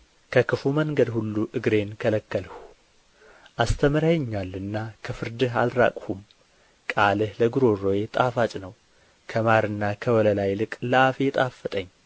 ከክፉ መንገድ ሁሉ እግሬን ከለከልሁ አስተምረኸኛልና ከፍርድህ አልራቅሁም ቃልህ ለጕሮሮዬ ጣፋጭ ነው ከማርና ከወለላ ይልቅ ለአፌ ጣፈጠኝ